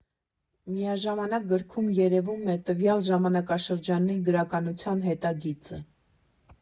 Միաժամանակ գրքում երևակվում է տվյալ ժամանակաշրջանի գրականության հետագիծը։